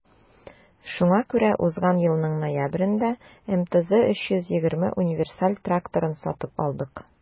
Шуңа күрә узган елның ноябрендә МТЗ 320 универсаль тракторын сатып алдык.